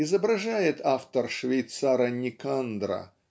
изображает автор швейцара Никандра